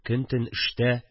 Көн-төн эштә